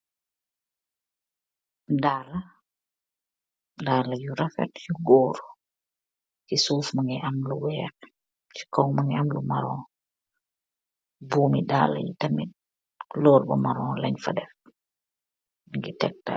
daala bu goor bu sokola.